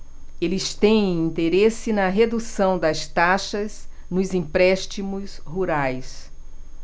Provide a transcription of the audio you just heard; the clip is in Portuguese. eles têm interesse na redução das taxas nos empréstimos rurais